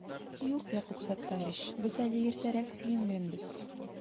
Юк, Якуб Саттарич, без әле иртәрәк сөенгәнбез